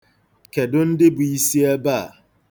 Kedụ ndị bụ isi ebe a?